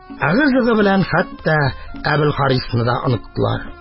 Ыгы-зыгы белән хәтта Әбелхарисны да оныттылар.